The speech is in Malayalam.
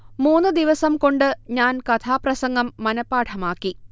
മൂന്നു ദിവസം കൊണ്ടു ഞാൻ കഥാപ്രസംഗം മനഃപാഠമാക്കി